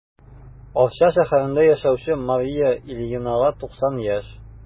Арча шәһәрендә яшәүче Мария Ильинага 90 яшь.